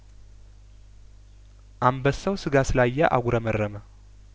አንበሳው ስጋ ስላ የአጉረመረ መ